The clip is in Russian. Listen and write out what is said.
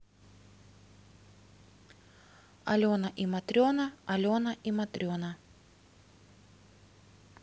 алена и матрена алена и матрена